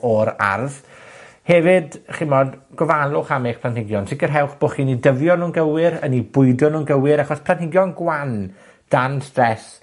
o'r ardd. Hefyd, chi 'mod, gofalwch am eich planhigion, sicirhewch bo' chi 'di dyfio nw'n gywir, yn 'u bwydo nw'n gywir. Achos planhigion gwan dan stress,